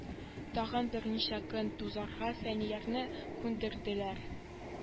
Тагын берничә көн түзаргә фәниярне күндерделәр